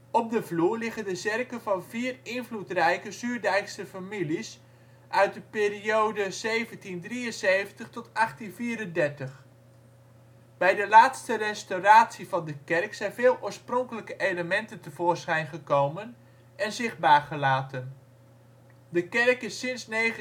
Op de vloer liggen de zerken van vier invloedrijke Zuurdijkster families uit de periode 1773 tot 1834. Bij de laatste restauratie van de kerk zijn veel oorspronkelijke elementen tevoorschijn gekomen en zichtbaar gelaten. De kerk is sinds 1974